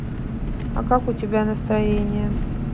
а как у тебя настроение